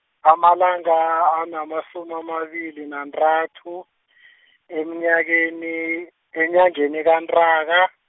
amalanga anamasumi amabili nantathu , emnyakeni, enyangeni kaNtaka.